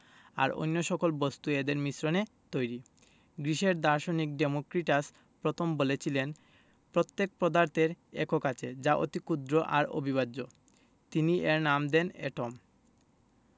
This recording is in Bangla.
আর অন্য সকল বস্তু এদের মিশ্রণে তৈরি গ্রিসের দার্শনিক ডেমোক্রিটাস প্রথম বলেছিলেন প্রত্যেক পদার্থের একক আছে যা অতি ক্ষুদ্র আর অবিভাজ্য তিনি এর নাম দেন এটম